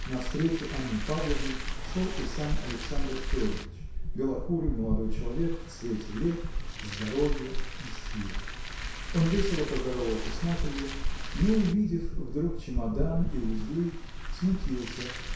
Навстречу Анне Павловне шел и сам Александр Федорыч белокурый молодой человек в цвете лет здоровья и сил. Он весело поздоровался с матерью но увидев вдруг чемодан и узлы смутился